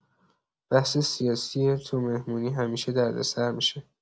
بحث سیاسی تو مهمونی همیشه دردسر می‌شه.